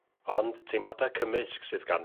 Ond teimlada cymysg sydd gan...